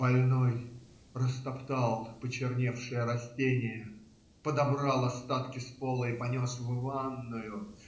Больной растоптал почерневшее растение, подобрал остатки с пола и понес в ванную.